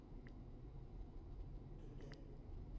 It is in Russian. ты где